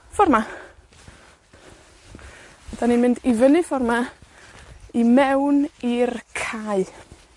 ffor 'ma. 'Dan ni'n mynd i fyny ffor 'ma i mewn i'r cae.